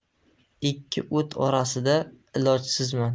ikki o't orasida ilojsizman